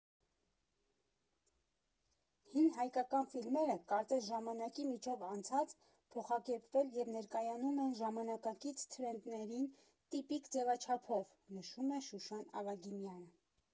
Հին հայկական ֆիլմերը կարծես ժամանակի միջով անցած՝ փոխակերպվել և ներկայանում են ժամանակակից թրենդերին տիպիկ ձևաչափով, ֊ նշում է Շուշան Ավագիմյանը։